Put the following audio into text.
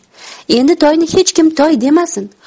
endi toyni hech kim toy demasin